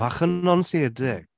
Bach yn nonsiedig.